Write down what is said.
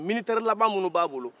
militɛri laban minnu b'a bolo